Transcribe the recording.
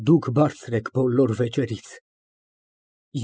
Դուք բարձր եք բոլոր վեճերից։